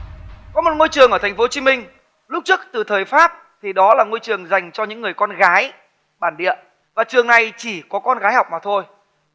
có một môi trường ở thành phố hồ chí minh lúc trước từ thời pháp thì đó là ngôi trường dành cho những người con gái bản địa và trường nay chỉ có con gái học mà thôi